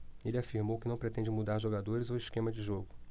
ele afirmou que não pretende mudar jogadores ou esquema de jogo